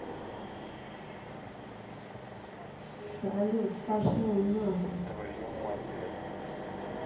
салют пошел нахуй